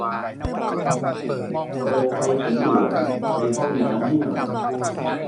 เปิดไฟสีเหลืองในห้องน้ำให้หน่อย